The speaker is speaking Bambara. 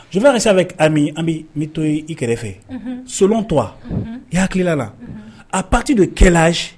Z kasa bɛ ami an bɛ n bɛ to i kɛrɛfɛ solon tɔ ha hakililala a pati don kɛlɛla